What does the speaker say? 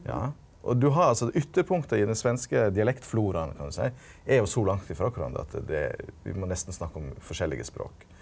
ja og du har altso ytterpunkta i den svenske dialektfloraen kan du seie er jo so langt ifrå kvarandre at me må nesten snakka om forskjellige språk.